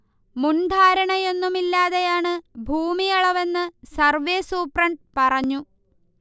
മുൻധാരണയൊന്നും ഇല്ലാതെയാണ് ഭൂമി അളവെന്ന് സർവേ സൂപ്രണ്ട് പറഞ്ഞു